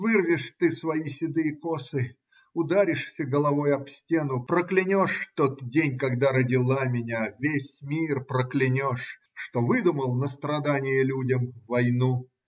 Вырвешь ты свои седые косы, ударишься головою об стену, проклянешь тот день, когда родила меня, весь мир проклянешь, что выдумал на страдание людям войну!